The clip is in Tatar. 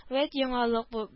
Вәт яңалык бу